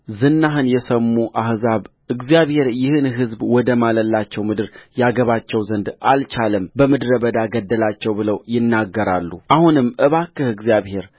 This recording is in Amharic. ዝናህን የሰሙ አሕዛብእግዚአብሔር ይህን ሕዝብ ወደ ማለላቸው ምድር ያገባቸው ዘንድ አልቻለምና በምድረ በዳ ገደላቸው ብለው ይናገራሉአሁንም እባክህ እግዚአብሔር